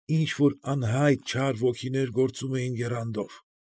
Ինչ֊որ անհայտ չար ոգիներ գործում էին եռանդով։